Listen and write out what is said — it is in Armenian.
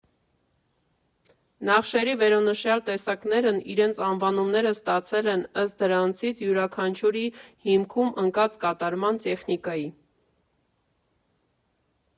Նախշերի վերոնշյալ տեսակներն իրենց անվանումները ստացել են ըստ դրանցից յուրաքանչյուրի հիմքում ընկած կատարման տեխնիկայի։